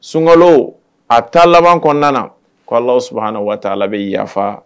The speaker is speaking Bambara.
Sunkalo a ta laban kɔnɔna k'law waati bɛ yafa